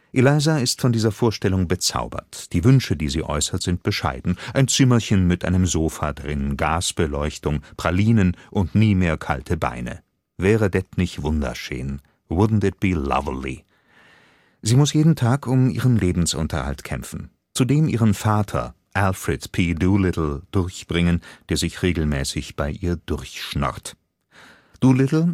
Eliza ist von dieser Vorstellung bezaubert, die Wünsche, die sie äußert, bescheiden: „ Ein Zimmerchen mit einem Sofa drin, Gasbeleuchtung, Pralinen und nie mehr kalte Beine “– (Wäre det nich wundascheen? / Wouldn’ t It be Loverly?). Sie muss jeden Tag um ihren Lebensunterhalt kämpfen. Zudem ihren Vater, Alfred P. Doolittle, durchbringen, der sich regelmäßig bei ihr durchschnorrt. Doolittle